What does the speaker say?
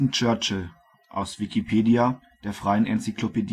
Churchill, aus Wikipedia, der freien Enzyklopädie